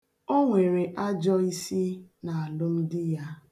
O nwere ajọisi n'alụmdi ya.